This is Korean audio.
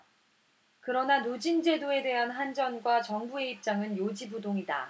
그러나 누진제도에 대한 한전과 정부의 입장은 요지부동이다